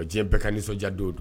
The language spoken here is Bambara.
Diɲɛ bɛɛ ka nisɔndiya don don